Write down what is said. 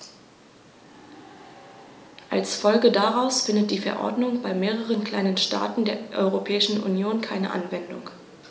Als Folge daraus findet die Verordnung bei mehreren kleinen Staaten der Europäischen Union keine Anwendung.